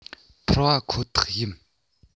འཕར བ ཁོ ཐག ཡིན